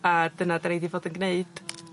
a dyna 'dan ni 'di fod yn gneud.